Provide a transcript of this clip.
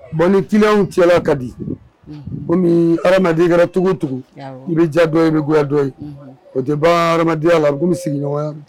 Bon ni ti cɛlala ka di kɔmi hadenya kɛracogo tugun i bɛ diya dɔ i bɛ dɔ ye o tɛ ba hadenyaya la komi sigiɲɔgɔnya